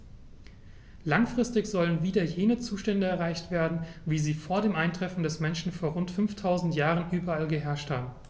Langfristig sollen wieder jene Zustände erreicht werden, wie sie vor dem Eintreffen des Menschen vor rund 5000 Jahren überall geherrscht haben.